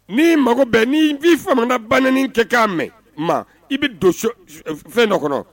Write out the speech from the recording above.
Ni mago bɛɛ ni'i fana ban kɛ k'a mɛn ma i bɛ don fɛn dɔ kɔnɔ